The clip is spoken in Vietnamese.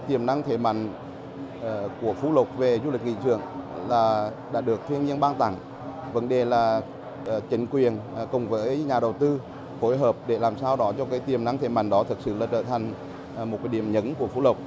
tiềm năng thế mạnh của phú lộc về du lịch nghỉ dưỡng là đã được thiên nhiên ban tặng vấn đề là chính quyền cùng với nhà đầu tư phối hợp để làm sao đó cho cái tiềm năng thế mạnh đó thực sự là trở thành một cái điểm nhấn của phú lộc